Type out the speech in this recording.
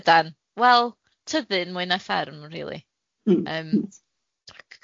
Yy ydan, wel tyddyn mwy na ffarm rili